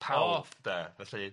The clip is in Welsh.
Palf 'de felly.